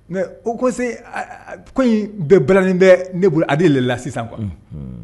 Mɛ o kose ko in bɛɛ bɛnen bɛ ne bolo a de lela sisan kuwa